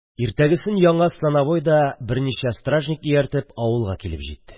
Иртәгесен яңа становой да берничә стражникны ияртеп авылга килеп җитте